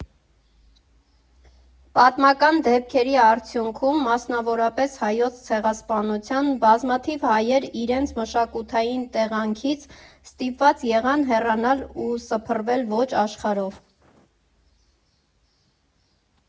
Պատմական դեպքերի արդյունքում, մասնավորապես Հայոց ցեղասպանության, բազմաթիվ հայեր իրենց մշակութային տեղանքից ստիպված եղան հեռանալ ու սփռվել ողջ աշխարհով։